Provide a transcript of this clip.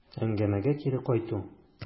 Әңгәмәгә кире кайту.